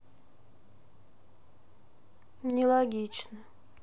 нелогично